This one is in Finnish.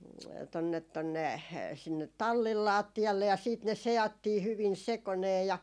tuonne tuonne sinne tallin lattialle ja sitten ne seattiin hyvin sekoineen ja